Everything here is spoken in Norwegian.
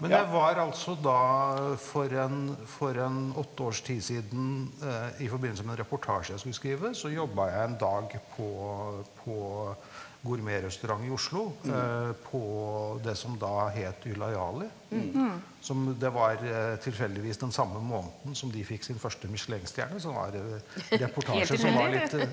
men det var altså da for en for en åtte års tid siden i forbindelse med en reportasje jeg skulle skrive så jobba jeg en dag på på gourmetrestaurant i Oslo på det som da het Ylajali som det var tilfeldigvis den samme måneden som de fikk sin første michelinstjerne som var reportasje som var litt.